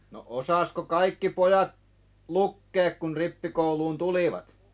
no osasiko kaikki pojat lukea kun rippikouluun tulivat